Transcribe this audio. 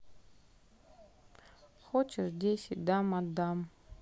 хочешь десять дам отдам